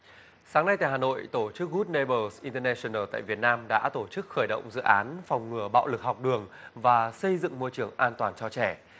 sáng nay tại hà nội tổ chức gút nây bờ in tơ ne sừn nồ tại việt nam đã tổ chức khởi động dự án phòng ngừa bạo lực học đường và xây dựng môi trường an toàn cho trẻ